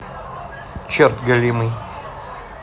черт галимый